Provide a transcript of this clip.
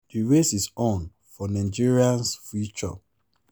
The race is on for Nigeria's future